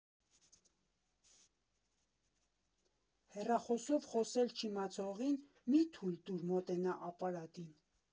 Հեռախոսով խոսել չիմացողին մի՛ թույլ տուր մոտենա ապարատին։